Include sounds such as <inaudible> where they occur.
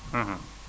<hesitation> <hesitation>